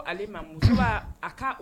Ale ma nun a ka